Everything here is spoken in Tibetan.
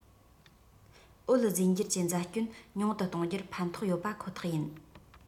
འོད རྫས འགྱུར གྱི བརྫད སྐྱོན ཉུང དུ གཏོང རྒྱུར ཕན ཐོགས ཡོད པ ཁོ ཐག ཡིན